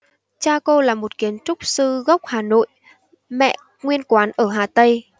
cha cô là một kiến trúc sư gốc hà nội mẹ nguyên quán ở hà tây